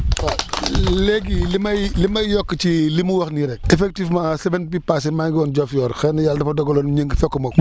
waaw léegi li may li may yokk ci li mu wax nii rek effectivement semaine bii passée maa ngi woon Diofior xëy na yàlla dafa dogaloon Ngingue fekkuma ko